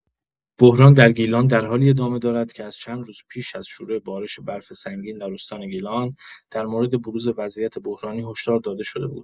بحران در گیلان در حالی ادامه دارد که از چند روز پیش از شروع بارش برف سنگین در استان گیلان، در مورد بروز وضعیت بحرانی هشدار داده‌شده بود.